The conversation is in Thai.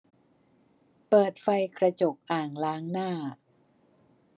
เปิดไฟกระจกอ่างล้างหน้า